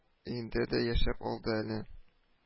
Өендә дә яшәп алды әле